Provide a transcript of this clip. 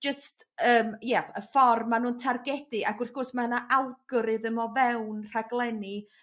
jyst yym ia y ffor ma' nhw'n targedu ac wrth gwrs ma' 'na algorithm o fewn rhaglenni